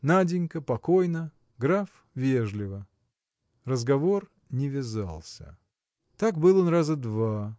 Наденька – покойно, граф – вежливо. Разговор не вязался. Так был он раза два.